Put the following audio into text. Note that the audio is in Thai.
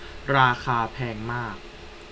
ราคาแพงมาก